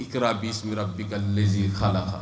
I kɛra b'i bi ka z ha kan